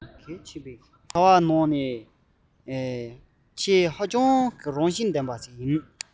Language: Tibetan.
མཁས པའི བྱ བ ཀུན གྱི ནང ནས ཆེས གལ ཆེའི རང བཞིན ལྡན པ ཞིག ཡིན